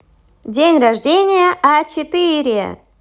день рождения а четыре